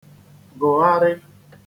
-gụ̀gharị̄